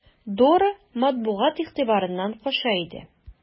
Дора матбугат игътибарыннан кача иде.